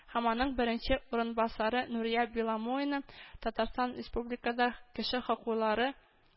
Һәм аның беренче урынбасары нурия беломоина, татарстан республикада кеше хокуклары